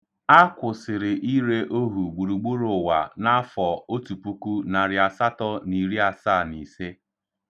A kwụsịrị ire ohu gburugburu ụwa n'afọ 1875.